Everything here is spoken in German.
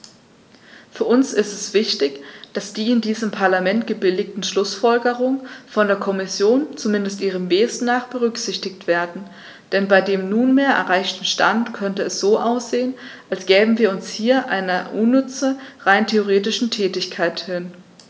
Für uns ist es wichtig, dass die in diesem Parlament gebilligten Schlußfolgerungen von der Kommission, zumindest ihrem Wesen nach, berücksichtigt werden, denn bei dem nunmehr erreichten Stand könnte es so aussehen, als gäben wir uns hier einer unnütze, rein rhetorischen Tätigkeit hin.